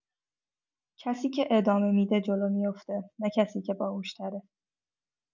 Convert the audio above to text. کسی که ادامه می‌ده، جلو می‌افته، نه کسی که باهوش‌تره.